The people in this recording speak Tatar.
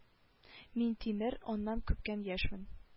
Мин тимер аннан күпкә яшьмен